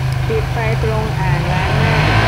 ปิดไฟตรงอ่างล้างหน้า